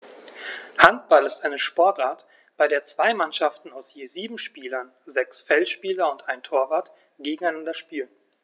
Handball ist eine Sportart, bei der zwei Mannschaften aus je sieben Spielern (sechs Feldspieler und ein Torwart) gegeneinander spielen.